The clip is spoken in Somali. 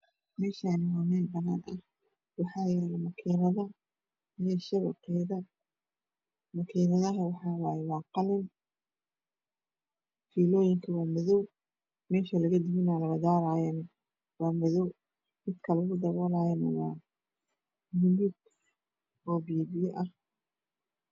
Meeeshaani waa meel banaah waxaa yala makiinado waa qalin filooyinka wa madow meesha laga daminiyo iyo laga daranaya waa madow midka lagu dapoolayane waa paluug oo piya piya ah